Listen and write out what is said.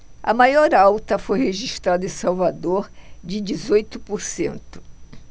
a maior alta foi registrada em salvador de dezoito por cento